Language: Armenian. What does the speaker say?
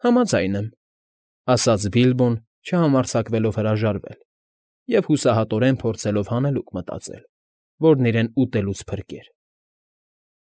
Համաձայն եմ,֊ ասաց Բիլբոն, չհամարձակվելով հրաժարվել և հուսահատորեն փորձելով հանելուկ մտածել, որն իրեն ուտելուց փրկեր։